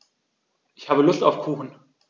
Ich habe Lust auf Kuchen.